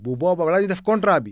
bu boobaa balaa ñuy def contrat bi